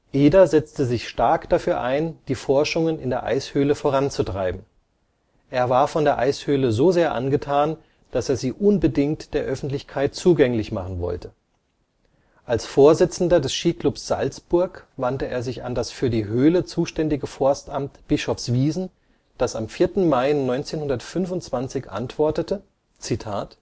Eder setzte sich stark dafür ein, die Forschungen in der Eishöhle voranzutreiben. Er war von der Eishöhle so sehr angetan, dass er sie unbedingt der Öffentlichkeit zugänglich machen wollte. Als Vorsitzender des Skiclubs Salzburg wandte er sich an das für die Höhle zuständige Forstamt Bischofswiesen, das am 4. Mai 1925 antwortete: „ Dem Skiclub